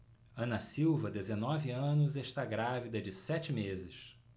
ana silva dezenove anos está grávida de sete meses